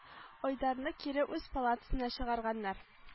Айдарны кире үз палатасына чыгарганнар